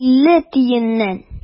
Илле тиеннән.